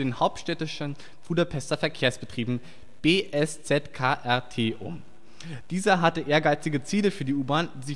Hauptstädtischen Budapester Verkehrsbetrieben (BSZKRT) um. Diese hatte ehrgeizige Ziele für die U-Bahn